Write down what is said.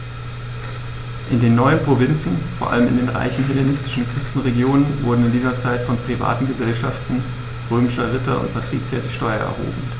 In den neuen Provinzen, vor allem in den reichen hellenistischen Küstenregionen, wurden in dieser Zeit von privaten „Gesellschaften“ römischer Ritter und Patrizier die Steuern erhoben.